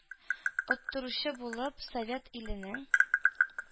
Оттыручы булып, совет иленең,